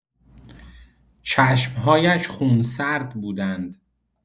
چشم‌هایش خونسرد بودند.